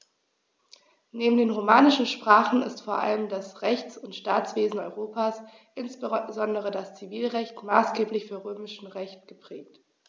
Neben den romanischen Sprachen ist vor allem das Rechts- und Staatswesen Europas, insbesondere das Zivilrecht, maßgeblich vom Römischen Recht geprägt.